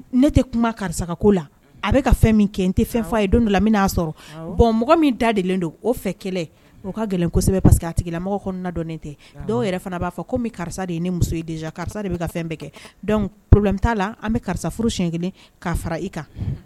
Ne tɛ kuma karisa ka ko la a bɛ ka fɛn min kɛ n tɛ fɛn fɔ a ye don la'a sɔrɔ bɔn mɔgɔ min da de don o o ka gɛlɛnsɛbɛ paseke a tigila mɔgɔ tɛ dɔw yɛrɛ fana b'a fɔ ko karisa de ye ni muso den karisa de bɛ ka fɛn bɛɛ kɛ pa la an bɛ karisa furu si kelen k' fara i kan